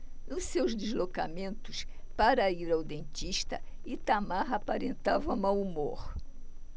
nos seus deslocamentos para ir ao dentista itamar aparentava mau humor